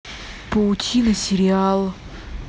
паутина сериал